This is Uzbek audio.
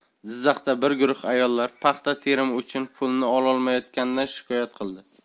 jizzaxda bir guruh ayollar paxta terimi uchun pulini ololmayotganidan shikoyat qildi